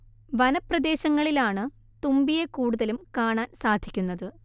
വനപ്രദേശങ്ങളിലാണ് തുമ്പിയെ കൂടുതലും കാണാൻ സാധിക്കുന്നത്